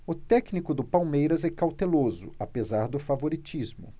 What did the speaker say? o técnico do palmeiras é cauteloso apesar do favoritismo